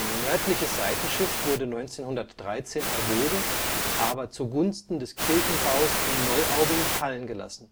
nördliches Seitenschiff wurde 1913 erwogen, aber zu Gunsten des Kirchenbaus in Neuaubing fallen gelassen